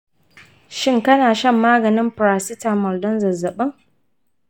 shin kana shan maganin paracetamol don zazzabin?